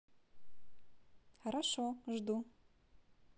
хорошо жду